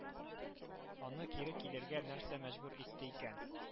Аны кире килергә нәрсә мәҗбүр итте икән